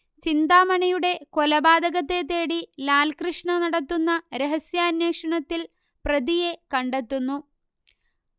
ചിന്താമണിയുടെ കൊലപാതകിയെത്തേടി ലാൽകൃഷ്ണ നടത്തുന്ന രഹസ്യാന്വേഷണത്തിൽ പ്രതിയെ കണ്ടെത്തുന്നു